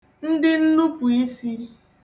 ndị nnupùisī